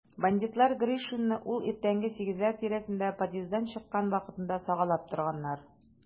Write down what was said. Бандитлар Гришинны ул иртәнге сигезләр тирәсендә подъезддан чыккан вакытында сагалап торганнар.